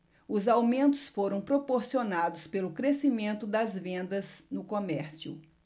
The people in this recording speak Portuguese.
os aumentos foram proporcionados pelo crescimento das vendas no comércio